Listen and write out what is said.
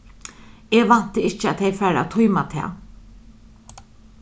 eg vænti ikki at tey fara at tíma tað